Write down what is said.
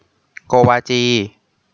โกวาจี